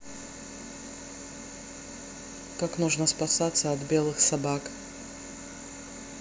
как нужно спасаться от белых собак